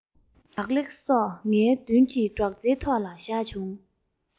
བག ལེབ སོགས ངའི མདུན གྱི སྒྲོག ཙེའི ཐོག ལ བཞག བྱུང